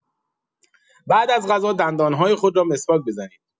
بعد از غذا دندان‌های خود را مسواک بزنید.